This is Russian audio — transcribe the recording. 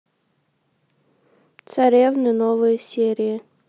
царевны новые серии